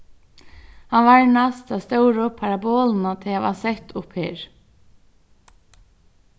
hann varnast ta stóru parabolina tey hava sett upp her